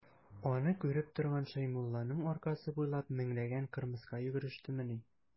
Аны күреп торган Шәймулланың аркасы буйлап меңләгән кырмыска йөгерештемени.